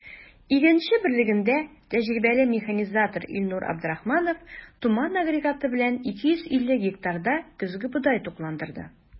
“игенче” берлегендә тәҗрибәле механизатор илнур абдрахманов “туман” агрегаты белән 250 гектарда көзге бодай тукландырды.